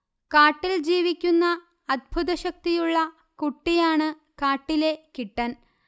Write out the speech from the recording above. കാട്ടിൽ ജീവിക്കുന്ന അത്ഭുത ശക്തിയുള്ള കുട്ടിയാണ് കാട്ടിലെ കിട്ടൻ